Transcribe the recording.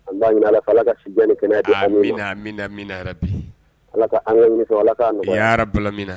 Ala ala ala min